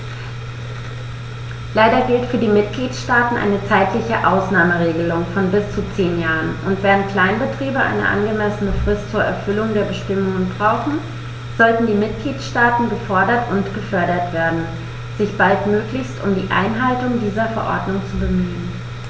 Leider gilt für die Mitgliedstaaten eine zeitliche Ausnahmeregelung von bis zu zehn Jahren, und, während Kleinbetriebe eine angemessene Frist zur Erfüllung der Bestimmungen brauchen, sollten die Mitgliedstaaten gefordert und gefördert werden, sich baldmöglichst um die Einhaltung dieser Verordnung zu bemühen.